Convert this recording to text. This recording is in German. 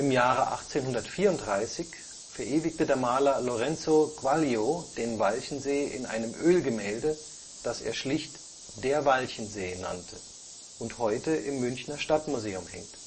Jahre 1834 verewigte der Maler Lorenzo Quaglio den Walchensee in einem Ölgemälde, das er schlicht „ Der Walchensee “nannte und heute im Münchner Stadtmuseum hängt